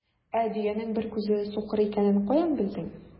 Ә дөянең бер күзе сукыр икәнен каян белдең?